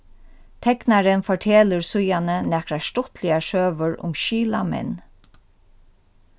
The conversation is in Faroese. teknarin fortelur síðani nakrar stuttligar søgur um skilamenn